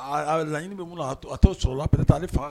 A a laɲini bɛ min na a t'o sɔrɔla peut être ale fanga